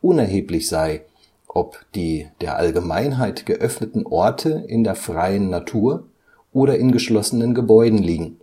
Unerheblich sei, ob die der Allgemeinheit geöffneten Orte in der freien Natur oder in geschlossenen Gebäuden liegen.